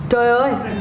trời ơi